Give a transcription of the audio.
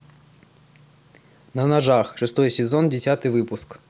на ножах шестой сезон десятый выпуск